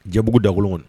Jɛbugu da kolon kɔni